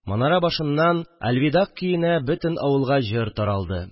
Манара башыннан әлвидаг көенә бөтен авылга җыр таралды